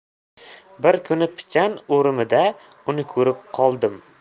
bir kuni pichan o'rimida uni ko'rib qoldim